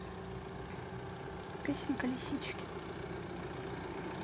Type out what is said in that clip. песенка лисички